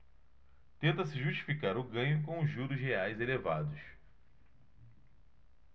tenta-se justificar o ganho com os juros reais elevados